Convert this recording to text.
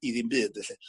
i ddim byd 'elly.